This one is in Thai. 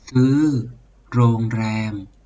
ซื้อโรงแรม